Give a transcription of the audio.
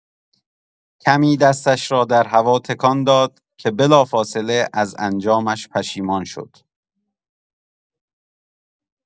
کمی دستش را در هوا تکان داد که بلافاصله، از انجامش پشیمان شد.